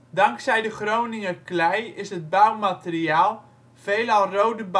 Dankzij de Groninger klei is het bouwmateriaal veelal rode